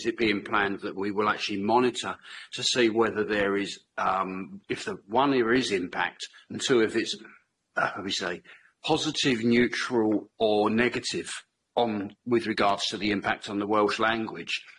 Is it being planned that we will actually monitor to see whether there is, yym if one, there is impact, and two, if it's, how do you say, positive, neutral or negative on with regards to the impact on the Welsh language?